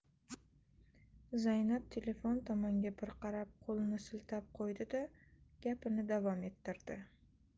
zaynab telefon tomonga bir qarab qo'lini siltab qo'ydi da gapini davom ettirdi